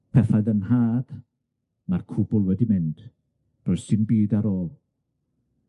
Pethau fy nhad, ma'r cwbwl wedi mynd, does dim byd ar ôl.